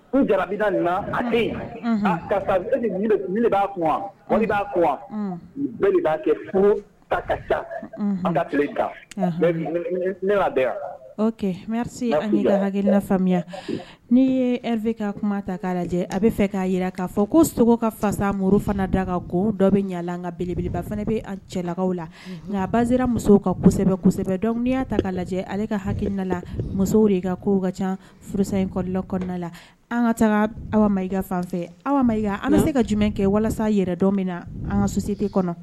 Jara kɛ ko yanla faamuya n'i ye an fɛ ka kuma ta k'a lajɛ a bɛ fɛ k'a jira k'a fɔ ko sogo ka fasa muru fana da kan ko dɔ bɛ ɲaga an ka belebele fana bɛ a cɛlala la nka basera musow ka kosɛbɛsɛbɛ ni y' ta ka lajɛ ale ka hada la musow de i ka ko ka ca furusa ye kɔla kɔnɔna la an ka taga aw ma i ka fan fɛ aw ma i an se ka jumɛn kɛ walasa yɛrɛ dɔn min na an ka sosite kɔnɔ